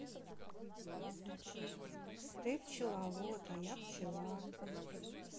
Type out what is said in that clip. ты пчеловод а я пчела